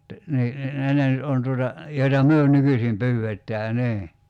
että niin niin ne ne nyt on tuota joita me nykyisin pyydetään niin